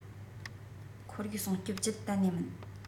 ཁོར ཡུག སྲུང སྐྱོབ ཅུད གཏན ནས མིན